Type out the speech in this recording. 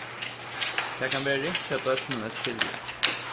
tað kann vera ringt hjá børnum at skilja